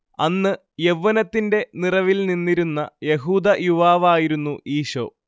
അന്ന് യൗവ്വനത്തിന്റെ നിറവിൽ നിന്നിരുന്ന യഹൂദ യുവാവായിരുന്നു ഈശോ